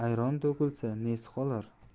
ayron to'kilsa nesi qolar